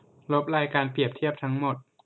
ลบรายการเปรียบเทียบทั้งหมด